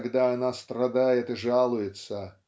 когда она страдает и жалуется